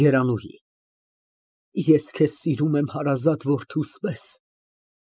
ԵՐԱՆՈՒՀԻ ֊ Ես քեզ սիրում եմ հարազատ որդուս պես։